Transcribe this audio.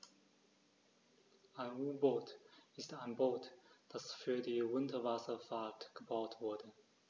Ein U-Boot ist ein Boot, das für die Unterwasserfahrt gebaut wurde.